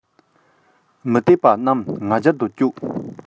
མུ སྟེགས པ རྣམས ང རྒྱལ དུ བཅུག